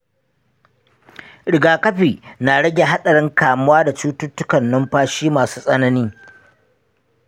rigakafi na rage haɗarin kamuwa da cututtukan numfashi masu tsanani.